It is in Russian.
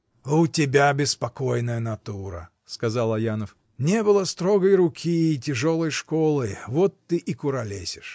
— У тебя беспокойная натура, — сказал Аянов, — не было строгой руки и тяжелой школы — вот ты и куролесишь.